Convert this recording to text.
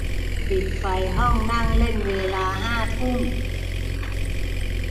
ปิดไฟห้องนั่งเล่นเวลาห้าทุ่ม